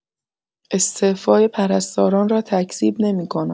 استعفای پرستاران را تکذیب نمی‌کنم.